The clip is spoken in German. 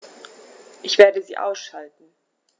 Ich werde sie ausschalten